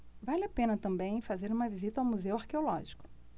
vale a pena também fazer uma visita ao museu arqueológico